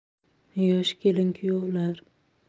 yosh kelin kuyovlar